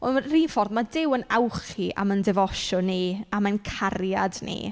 Ond mae'r un ffordd, mae Duw yn awchu am ein defosiwn ni, am ein cariad ni.